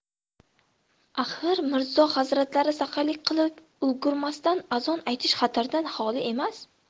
axir mirzo hazratlari saharlik qilib ulgurmasdan azon aytish xatardan xoli emas